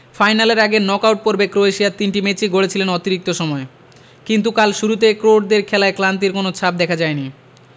ফাইনালের আগে নকআউট পর্বে ক্রোয়েশিয়ার তিনটি ম্যাচই গড়েছিলেন অতিরিক্ত সময়ে কিন্তু কাল শুরুতে ক্রোটদের খেলায় ক্লান্তির কোনো ছাপ দেখা যায়নি